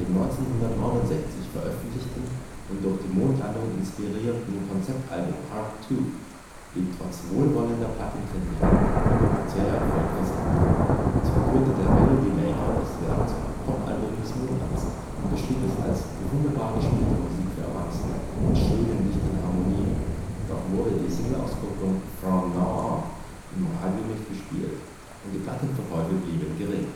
1969 veröffentlichten und durch die Mondlandung inspirierten Konzeptalbum Arc 2 blieb trotz wohlwollender Plattenkritiken der kommerzielle Erfolg versagt. Zwar kürte der Melody Maker das Werk zum Pop-Album des Monats und beschrieb es als „ wunderbar gespielte Musik für Erwachsene mit schönen, dichten Harmonien “(Coleman, S. 55), doch wurde die Singleauskopplung From Now On im Radio nicht gespielt, und die Plattenverkäufe blieben gering